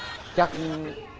chắc